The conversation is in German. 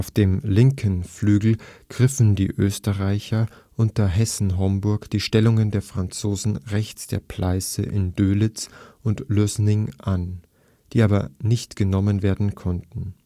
dem linken Flügel griffen die Österreicher unter Hessen-Homburg die Stellungen der Franzosen rechts der Pleiße in Dölitz und Lößnig an, die aber nicht genommen werden konnten